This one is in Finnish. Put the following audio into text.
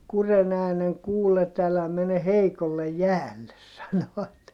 kurjen äänen kuullet älä mene heikolle jäälle sanovat